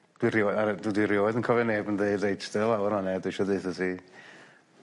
Dwi roe- yy dwi 'di rioed yn cofio neb yn deud reit stedda lawr fan 'ne dw isio deutho ti